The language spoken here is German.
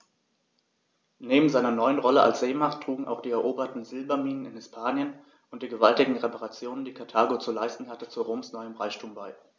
Neben seiner neuen Rolle als Seemacht trugen auch die eroberten Silberminen in Hispanien und die gewaltigen Reparationen, die Karthago zu leisten hatte, zu Roms neuem Reichtum bei.